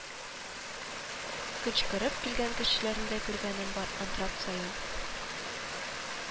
Кычкырып көлгән кешеләрне дә күргәнем бар, антракт саен